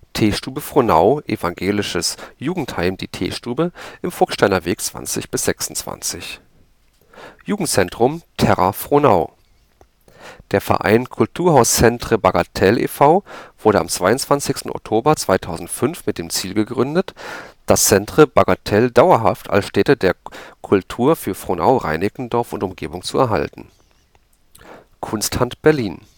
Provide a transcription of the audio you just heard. Teestube Frohnau (Evangelisches Jugendheim Die Teestube im Fuchssteinerweg 20 – 26) Jugendzentrum Terra Frohnau Der Verein Kulturhaus Centre Bagatelle e.V. wurde am 22. Oktober 2005 mit dem Ziel gegründet, das Centre Bagatelle dauerhaft als Stätte der Kultur für Frohnau, Reinickendorf und Umgebung zu erhalten. Kunsthand Berlin